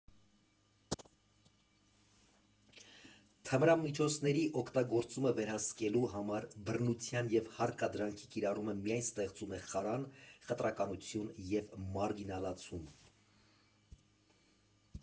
Թմրամիջոցների օգտագործումը վերահսկելու համար բռնության և հարկադրանքի կիրառումը միայն ստեղծում է խարան, խտրականություն և մարգինալացում։